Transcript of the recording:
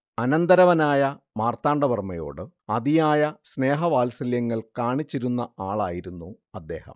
അനന്തരവനായ മാർത്താണ്ഡവർമ്മയോട് അതിയായ സ്നേഹവാത്സല്യങ്ങൾ കാണിച്ചിരുന്ന ആളായിരുന്നു അദേഹം